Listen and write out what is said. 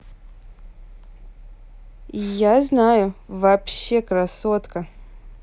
я знаю вообще красотка